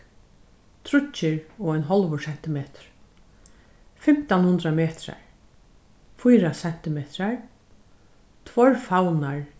tríggir og ein hálvur sentimetur fimtan hundrað metrar fýra sentimetrar tveir favnar